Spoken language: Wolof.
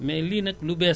doo woo assurance